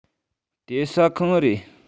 དེ ཟ ཁང ཨེ རེད